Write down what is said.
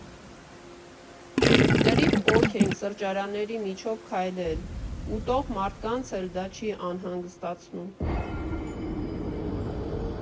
Լրիվ օք ենք սրճարանների միջով քայլել, ուտող մարդկանց էլ դա չի անհանգստացնում։